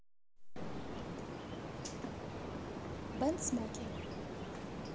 band smokie